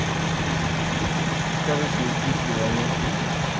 покажи свои титьки вонючий